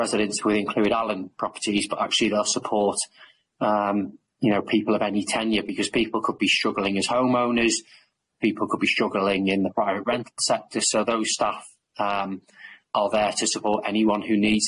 residents with Clwyd Allen properties but actually they'll support um you know people of any tenure because people could be struggling as home owners people could be struggling in the prior rent sector so those staff um are there to support anyone who needs